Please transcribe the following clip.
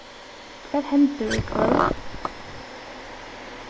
hvat hendir í kvøld